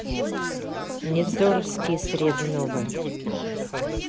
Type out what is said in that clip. невзоровские среды новое